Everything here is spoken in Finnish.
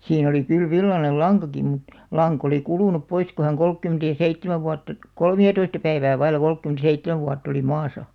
siinä oli kyllä villainen lankakin mutta lanka oli kulunut pois kun hän kolmekymmentä ja seitsemän vuotta kolmeatoista päivää vailla kolmekymmentä seitsemän vuotta oli maassa